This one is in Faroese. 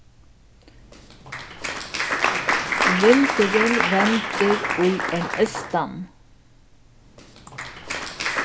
vindurin vendur í ein eystan